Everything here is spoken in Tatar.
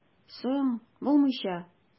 Соң, булмыйча!